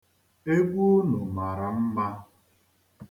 Egwu unu mara mma.